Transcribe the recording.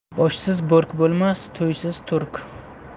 boshsiz bo'rk bo'lmas toysiz turk